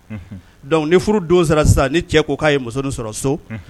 Donc ni furu don sera sisan ni cɛ ko ka ye muso nin sɔrɔ so